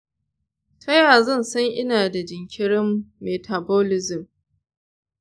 taya zan san ina da jinkirin metabolism?